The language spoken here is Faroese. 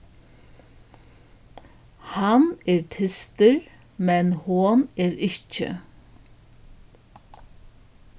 hann er tystur men hon er ikki